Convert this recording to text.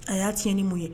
A ya tiɲɛ ni mun ye?